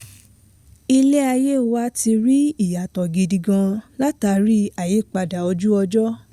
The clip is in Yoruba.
Ilé ayé wa ti rí ìyàtọ̀ gidi gan látààrí àyípadà ojú-ọjọ́."